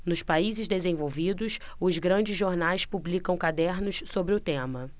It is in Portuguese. nos países desenvolvidos os grandes jornais publicam cadernos sobre o tema